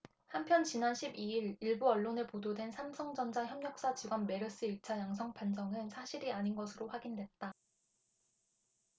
한편 지난 십 이 일 일부 언론에 보도된 삼성전자 협력사 직원 메르스 일 차 양성판정은 사실이 아닌 것으로 확인됐다